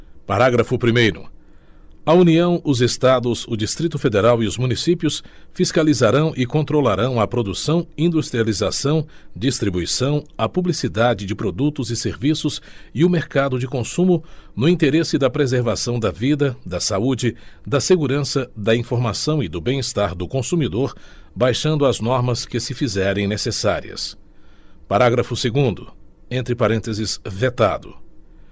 parágrafo primeiro a união os estados o distrito federal e os municípios fiscalizarão e controlarão a produção industrialização distribuição a publicidade de produtos e serviços e o mercado de consumo no interesse da preservação da vida da saúde da segurança da informação e do bem estar do consumidor baixando as normas que se fizerem necessárias parágrafo segundo entre parênteses vetado